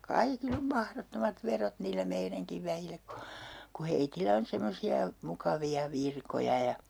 kaikilla on mahdottomat verot niillä meidänkin väillä kun kun heillä on semmoisia mukavia virkoja ja